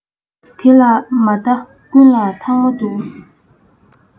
དེ ལ མ ལྟ ཀུན ལ ཐང མོ རྡོལ